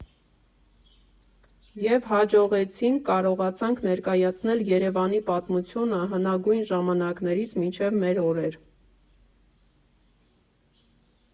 Եվ հաջողեցինք, կարողացանք ներկայացնել Երևանի պատմությունը՝ հնագույն ժամանակներից մինչև մեր օրեր։